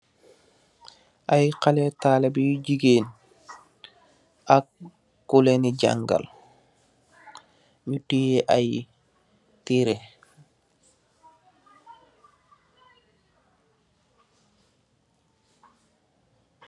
Aiiy haleh talibeh yu gigain ak kulen dii jangal, nju tiyeh aiiy tehreh.